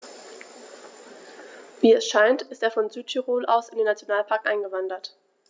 Wie es scheint, ist er von Südtirol aus in den Nationalpark eingewandert.